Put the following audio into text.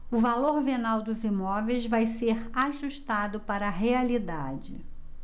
o valor venal dos imóveis vai ser ajustado para a realidade